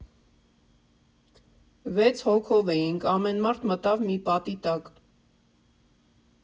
Վեց հոգով էինք, ամեն մարդ մտավ մի պատի տակ։